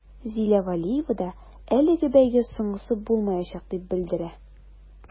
Зилә вәлиева да әлеге бәйге соңгысы булмаячак дип белдерә.